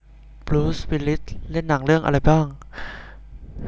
บรูซวิลลิสเล่นหนังเรื่องอะไรบ้าง